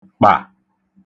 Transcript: kpà